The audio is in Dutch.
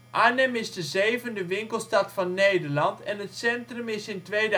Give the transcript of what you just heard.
Arnhem is de zevende winkelstad van Nederland en het centrum is in 2007